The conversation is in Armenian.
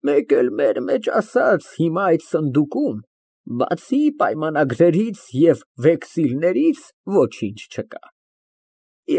Մեկ էլ մեր մեջ ասած, հիմա այդ սնդուկում, բացի պայմանագրերից և վեքսիլներից, ոչինչ չկա։